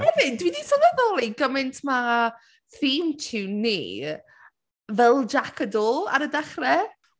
Hefyd, dwi 'di sylweddoli gymaint mae… theme tune ni fel Jac y Do ar y dechrau.